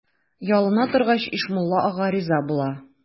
Ялына торгач, Ишмулла ага риза була.